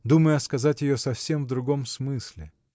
думая сказать ее совсем в другом смысле.